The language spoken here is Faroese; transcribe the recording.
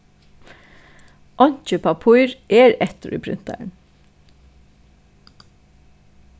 einki pappír er eftir í prentarin